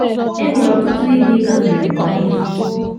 Enwere ọtụtụ ihe ị ga-agafere kwa izu.